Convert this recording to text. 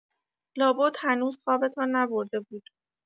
لابد هنوز خوابتان نبرده بود؟